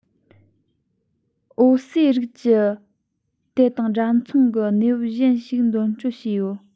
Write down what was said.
འོ གསོས རིགས ཀྱིས དེ དང འདྲ མཚུངས ཀྱི གནས བབ གཞན ཞིག འདོན སྤྲོད བྱས ཡོད